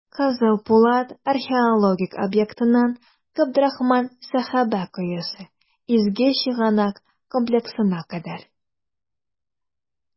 «кызыл пулат» археологик объектыннан "габдрахман сәхабә коесы" изге чыганак комплексына кадәр.